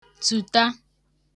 tùta